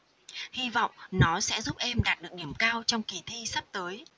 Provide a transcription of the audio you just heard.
hi vọng nó sẽ giúp em đạt được điểm cao trong kỳ thi sắp tới